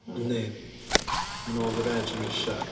Yndi, ma' nhw all the rage yn Russia.